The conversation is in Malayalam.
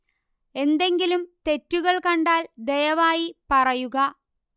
എന്തെങ്കിലും തെറ്റുകള് കണ്ടാല് ദയവായി പറയുക